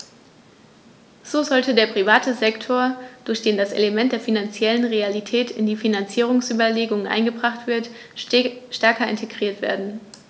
So sollte der private Sektor, durch den das Element der finanziellen Realität in die Finanzierungsüberlegungen eingebracht wird, stärker integriert werden.